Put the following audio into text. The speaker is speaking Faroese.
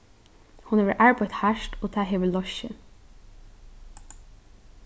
hon hevur arbeitt hart og tað hevur loyst seg